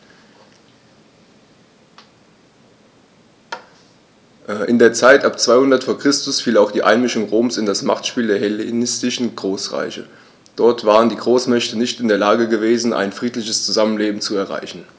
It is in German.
In die Zeit ab 200 v. Chr. fiel auch die Einmischung Roms in das Machtspiel der hellenistischen Großreiche: Dort waren die Großmächte nicht in der Lage gewesen, ein friedliches Zusammenleben zu erreichen.